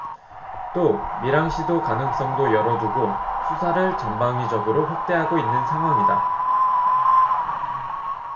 또 밀항 시도 가능성도 열어두고 수사를 전방위적으로 확대하고 있는 상황이다